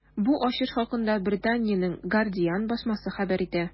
Бу ачыш хакында Британиянең “Гардиан” басмасы хәбәр итә.